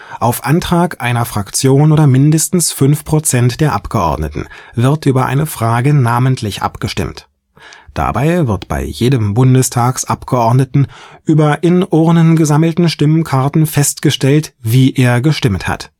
Auf Antrag einer Fraktion oder mindestens fünf Prozent der Abgeordneten wird über eine Frage namentlich abgestimmt. Dabei wird bei jedem Bundestagsabgeordneten über in Urnen gesammelte Stimmkarten festgestellt, wie er gestimmt hat